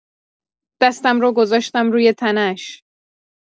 دستم رو گذاشتم روی تنه‌ش.